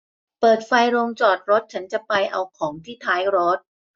เปิดไฟโรงจอดรถฉันจะไปเอาของที่ท้ายรถ